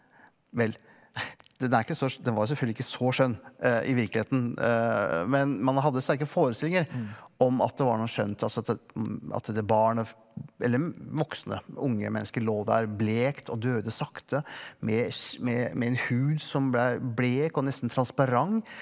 vel den er ikke så den var selvfølgelig ikke så skjønn i virkeligheten men man hadde sterke forestillinger om at det var noe skjønt altså at at det barn eller voksne unge mennesker lå der blekt og døde sakte med med med en hud som blei blek og nesten transparent.